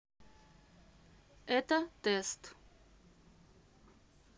это тест